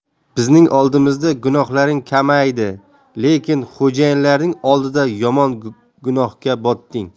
bizning oldimizda gunohlaring kamaydi lekin xo'jayinlaring oldida yomon gunohga botding